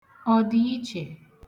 Ọ̀dị̀ichè